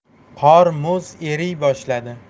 qor muz eriy boshladi